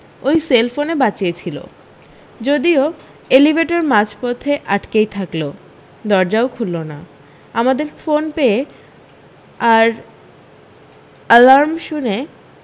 ওই সেলফোনে বাঁচিয়েছিল যদিও এলিভেটর মাঝপথে আটকেই থাকল দরজাও খুলল না আমাদের ফোন পেয়ে আর আলারম শুনে